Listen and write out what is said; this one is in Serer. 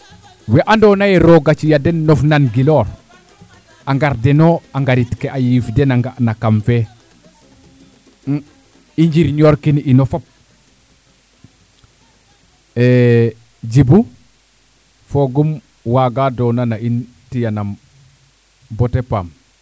we ando naye roga ci a den nof nan giloox a ngar deno a ngarit ke a yiif den a nga na kam fe i njirño kin ino fop e Djiby fogum waago dona na in tiya nam bota paam